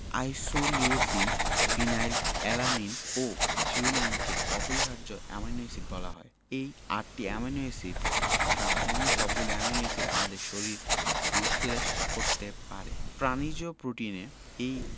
isoleucine phenylalanine ও থ্রিওনাইনকে অপরিহার্য অ্যামাইনো এসিড বলা হয় এই আটটি অ্যামাইনো এসিড ছাড়া অন্য সবগুলো অ্যামাইনো এসিড আমাদের শরীর সংশ্লেষ করতে পারে প্রাণিজ প্রোটিনে এই